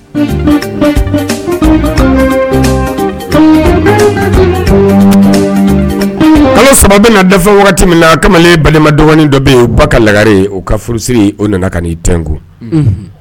Kalo saba bɛna na dafa waati min na kamalen balima dɔgɔnin dɔ bɛ yen u ba ka lagare u ka furusiri o nana ka i nt